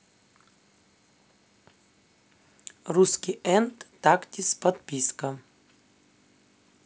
русский and tactics подписка